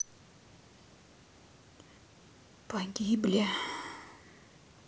погибли